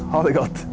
ha det godt!